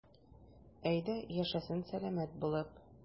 Әйдә, яшәсен сәламәт булып.